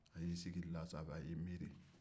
a y'i sigi o de la sa k'i miiri